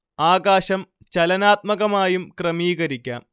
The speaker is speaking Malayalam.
ആകാശം ചലനാത്മകമായും ക്രമീകരിക്കാം